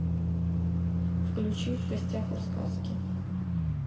включи в гостях у сказки